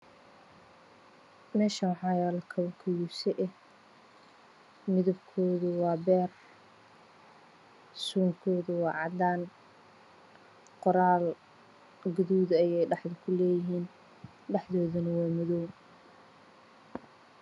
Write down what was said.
Meshan waxaa yaal kabo kayuuso eh midebkoodu waa beer suunkoodu waa cadan qoral gaduuda ayeey dhexda ku leeyihiin dhexdooduna waa madoow